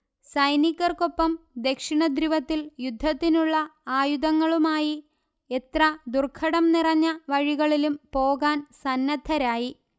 സൈനികർക്കൊപ്പം ദക്ഷിണ ധ്രുവത്തില് യുദ്ധത്തിനുള്ള ആയുധങ്ങളുമായി എത്ര ദുർഘടം നിറഞ്ഞ വഴികളിലും പോകാന് സന്നദ്ധരായി